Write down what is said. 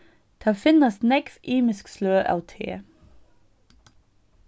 tað finnast nógv ymisk sløg av te